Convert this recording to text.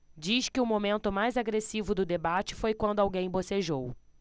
diz que o momento mais agressivo do debate foi quando alguém bocejou